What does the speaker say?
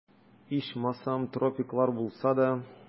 Ичмасам, тропиклар булса да...